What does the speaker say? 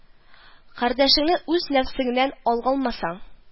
Кардәшеңне үз нәфсеңнән алгалмасаң